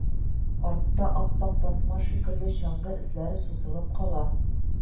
Артта, ап-ак тасма шикелле, чаңгы эзләре сузылып кала